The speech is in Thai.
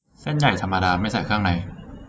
เส้นใหญ่ธรรมดาไม่ใส่เครื่องใน